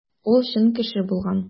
Ул чын кеше булган.